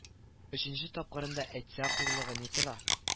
Өченче тапкырын да әйтсә хурлыгы ни тора